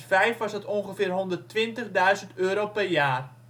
2005: ongeveer € 120.000 per jaar